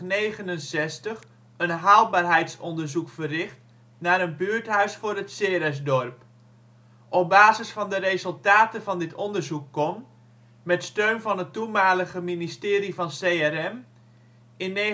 1968/1969 een haalbaarheidsonderzoek verricht naar een buurthuis voor het Ceresdorp. Op basis van de resultaten van dit onderzoek kon - met steun van het toenmalige ministerie van CRM - in 1973